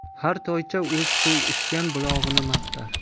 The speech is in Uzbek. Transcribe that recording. har toycha o'zi suv ichgan bulog'ini maqtar